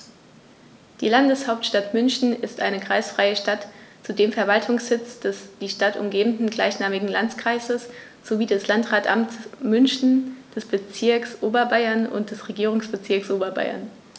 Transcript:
Die Landeshauptstadt München ist eine kreisfreie Stadt, zudem Verwaltungssitz des die Stadt umgebenden gleichnamigen Landkreises sowie des Landratsamtes München, des Bezirks Oberbayern und des Regierungsbezirks Oberbayern.